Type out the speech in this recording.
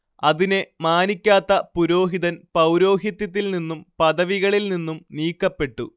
അതിനെ മാനിക്കാത്ത പുരോഹിതൻ പൗരോഹിത്യത്തിൽ നിന്നും പദവികളിൽ നിന്നും നീക്കപ്പെട്ടു